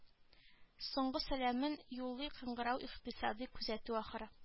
Соңгы сәламен юллый кыңгырау икътисади күзәтү ахыры